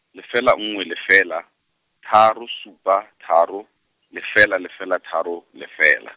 lefela nngwe lefela, tharo supa tharo, lefela lefela tharo, lefela.